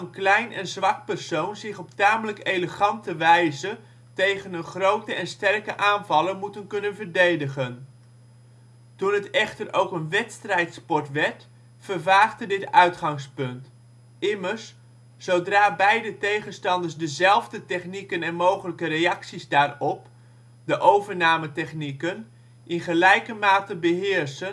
klein en zwak persoon zich op tamelijk elegante wijze tegen een grote en sterke aanvaller moeten kunnen verdedigen. Toen het echter ook een wedstrijdsport werd, vervaagde dit uitgangspunt. Immers, zodra beide tegenstanders dezélfde technieken en mogelijke reacties daarop (de overnametechnieken) in gelijke mate beheersen